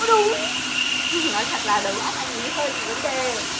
ờ đúng nói thật là đầu óc anh ý hơi bị vấn đề